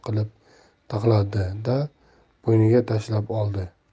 qilib taxladi da bo'yniga tashlab oldi